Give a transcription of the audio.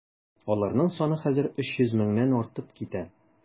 Аларның саны хәзер 300 меңнән артып китә.